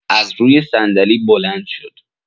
از روی صندلی بلند شد